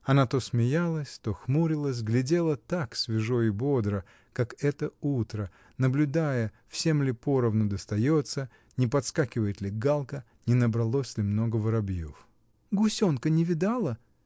Она то смеялась, то хмурилась, глядела так свежо и бодро, как это утро, наблюдая, всем ли поровну достается, не подскакивает ли галка, не набралось ли много воробьев. — Гусенка не видала?